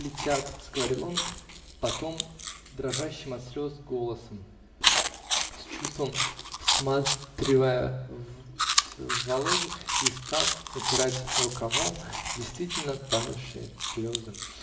улетят, -- заговорил он потом дрожащим от слез голосом, с чувством всматриваясь в Володю, и стал утирать рукавом действительно падавшие слезы.